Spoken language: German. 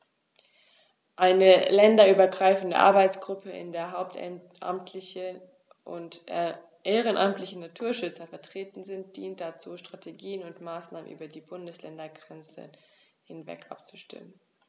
Eine länderübergreifende Arbeitsgruppe, in der hauptamtliche und ehrenamtliche Naturschützer vertreten sind, dient dazu, Strategien und Maßnahmen über die Bundesländergrenzen hinweg abzustimmen.